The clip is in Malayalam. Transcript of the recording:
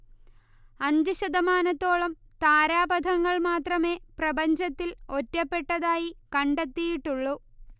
അഞ്ച് ശതമാനത്തോളം താരാപഥങ്ങൾ മാത്രമേ പ്രപഞ്ചത്തിൽ ഒറ്റപ്പെട്ടതായി കണ്ടെത്തിയിട്ടുള്ളൂ